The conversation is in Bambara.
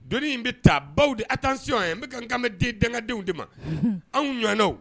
Don in bɛ taa baw de a taa sɔn ye n bɛka ka n ka mɛn den dandenw de ma anw ɲɛ